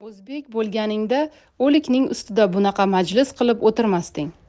o'zbek bo'lganingda o'likning ustida bunaqa majlis qilib o'tirmasding